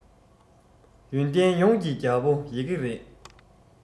ཡོན ཏན ཡོངས ཀྱི རྒྱལ པོ ཡི གེ རེད